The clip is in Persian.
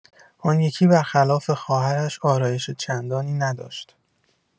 آن یکی بر خلاف خواهرش آرایش چندانی نداشت.